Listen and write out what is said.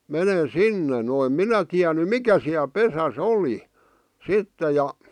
menen sinne no en minä tiennyt mikä siellä pesässä oli sitten ja